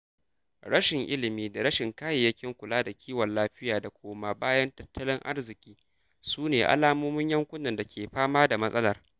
Rashin ilimi da rashin kayayyakin kula da kiwon lafiya da koma bayan tattalin arziƙi su ne alamun yankunan da ke fama da matsalar.